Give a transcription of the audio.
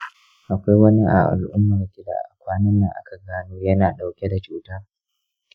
akwai wani a al'ummarki da a kwanannan aka gano yana dauke da cutar?